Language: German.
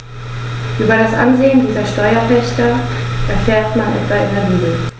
Über das Ansehen dieser Steuerpächter erfährt man etwa in der Bibel.